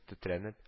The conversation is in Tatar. Тетрәнеп